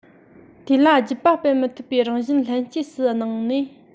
དེ ལ རྒྱུད པ སྤེལ མི ཐུབ པའི རང བཞིན ལྷན སྐྱེས སུ གནང ནས